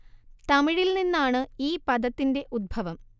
തമിഴിൽ നിന്നാണ് ഈ പദത്തിന്റെ ഉദ്ഭവം